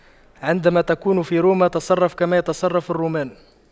عندما تكون في روما تصرف كما يتصرف الرومان